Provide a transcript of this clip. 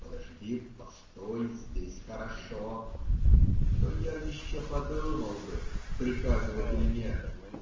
"подожди, постой, здесь хорошо", то я еще подумал бы - приказывать или нет.